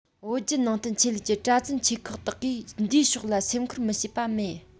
བོད བརྒྱུད ནང བསྟན ཆོས ལུགས ཀྱི གྲྭ བཙུན ཆེ ཁག དག གིས འདིའི ཕྱོགས ལ སེམས ཁུར མི བྱེད པ མེད